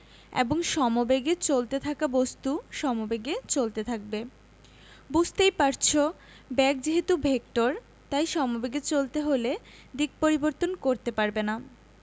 এবং সমেবেগে চলতে থাকা বস্তু সমেবেগে চলতে থাকবে বুঝতেই পারছ বেগ যেহেতু ভেক্টর তাই সমবেগে চলতে হলে দিক পরিবর্তন করতে পারবে না